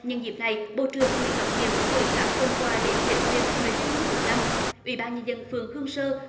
nhân dịp này bộ trưởng nguyễn ngọc thiện gửi các phần quà đến chính quyền người dân khu vực năm ủy ban nhân dân phường hương sơ